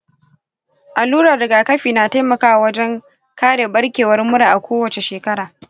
allurar rigakafi na taimakawa wajen kare barkewar mura a kowace shekara.